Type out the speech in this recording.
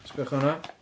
sbiwch ar hynna